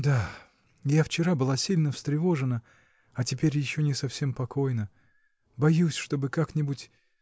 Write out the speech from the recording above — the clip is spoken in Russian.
— Да. я вчера была сильно встревожена; и теперь еще не совсем покойна. Боюсь, чтобы как-нибудь.